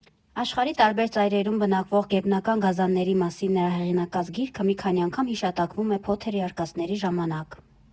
Աշխարհի տարբեր ծայրերում բնակվող գերբնական գազանների մասին նրա հեղինակած գիրքը մի քանի անգամ հիշատակվում է Փոթերի արկածների ժամանակ։